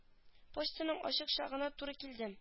Почтаның ачык чагына туры килдем